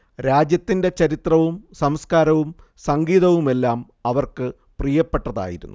രാജ്യത്തിന്റെ ചരിത്രവും സംസ്കാരവും സംഗീതവുമെല്ലാം അവർക്ക് പ്രിയപ്പെട്ടതായിരുന്നു